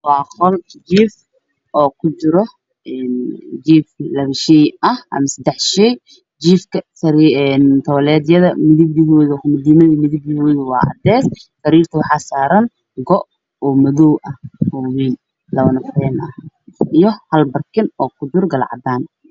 Waa qol jiif ah waxaa yaalo jiif seddex shay ah, tawleedka waa cadeys, sariirta waxaa saaran go madow ah oo wayn, oo labo nafar ah iyo hal barkin oo cadaan ah.